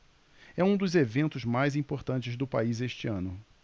é um dos eventos mais importantes do país este ano